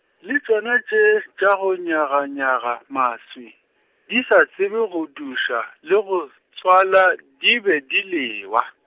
le tšona tše tša go nyaganyaga maswi, di sa tsebe go duša, le go tswala, di be di lewa.